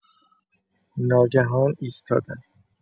ناگهان ایستادم.